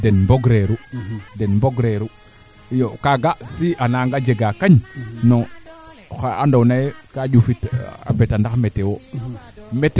a fiya a mener a aussi enquete no xoxox we pour a an alors ne ando naye neene bungtu fo nam moƴantu a den axa kaaga jega